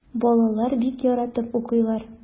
Балалар бик яратып укыйлар.